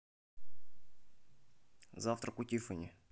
завтрак у тиффани